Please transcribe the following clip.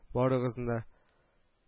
Барыгызны да